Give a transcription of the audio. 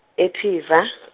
ePhiva .